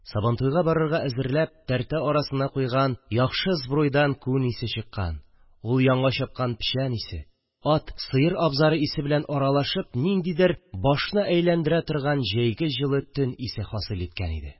Сабантуйга барырга әзерләп тәртә арасына куйган яхшы сбруйдан күн исе чыккан, ул яңа чапкан печән исе, ат, сыер абзары исе белән аралашып ниндидер башны әйләндерә торган җәйге җылы төн исе хасил иткән иде